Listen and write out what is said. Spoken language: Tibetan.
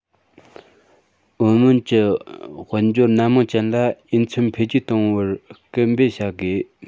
ཨའོ མོན གྱི དཔལ འབྱོར སྣ མང ཅན ལ འོས འཚམས འཕེལ རྒྱས གཏོང བར སྐུལ སྤེལ བྱ དགོས